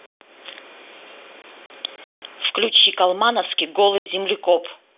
включи колмановский голый землекоп